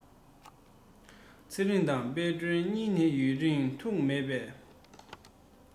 ཚེ རིང དང དཔལ སྒྲོན གཉིས ནི ཡུན རིང ཐུགས མེད པས